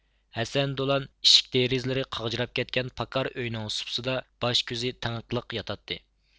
ھەسەن دولان ئىشىك دېرىزىلىرى قاغجىراپ كەتكەن پاكار ئۆينىڭ سۇپىسىدا باش كۆزى تېڭىقلىق ياتاتتى